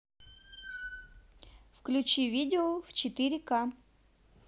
включи видео в четыре ка